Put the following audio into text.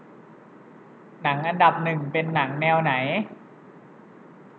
หนังอันดับหนึ่งเป็นหนังแนวไหน